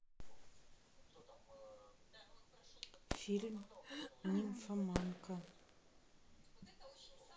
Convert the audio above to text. фильм нимфоманка